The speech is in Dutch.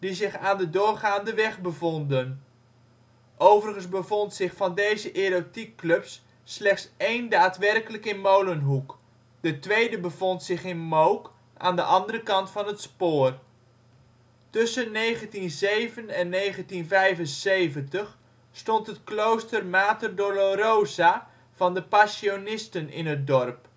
zich aan de doorgaande weg bevonden. Overigens bevond zich van deze erotiekclubs slechts één daadwerkelijk in Molenhoek. De tweede bevond zich in Mook, aan de andere kant van het spoor. Tussen 1907 en 1975 stond het klooster Mater Dolorosa van de Passionisten in het dorp